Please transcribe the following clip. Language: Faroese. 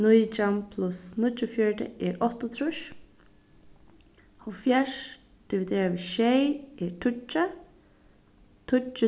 nítjan pluss níggjuogfjøruti er áttaogtrýss hálvfjerðs dividerað við sjey er tíggju tíggju